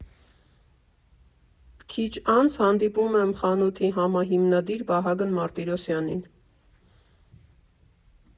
Քիչ անց հանդիպում եմ խանութի համահիմնադիր Վահագն Մարտիրոսյանին։